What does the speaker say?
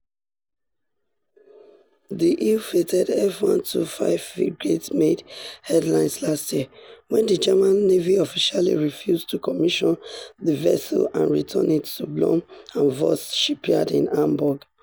The ill-fated F125 frigate made headlines last year, when the German Navy officially refused to commission the vessel and returned it to Blohm & Voss shipyard in Hamburg.